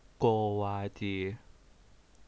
โกวาจี